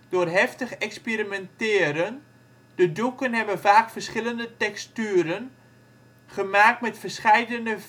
door heftig experimenteren. De doeken hebben vaak verschillende texturen, gemaakt met verscheidene